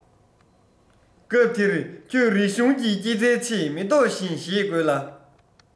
སྐབས དེར ཁྱོད རིག གཞུང གི སྐྱེད ཚལ ཆེད མེ ཏོག བཞིན བཞེད དགོས ལ